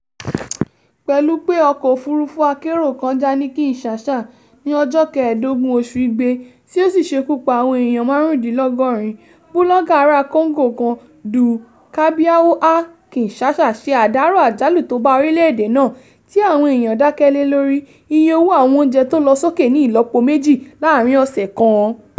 Pẹ̀lú pé ọkọ̀ òfurufú akẹ́rò kan já ní Kinshaha ní ọjọ́ 15 oṣù Igbe tí ó sì ṣekú pa àwọn eèyan 75, búlọ́gà ará Congo kan, Du Cabiau à Kinshasa ṣe àdárò àjálù tó bá orílẹ̀ èdè náà tí àwọn èèyàn dákẹ́ lé lórí: iye owó àwọn oúnjẹ tó lọ sókè ní ìlọ́po méjì láàárìn ọ̀sẹ̀ kan.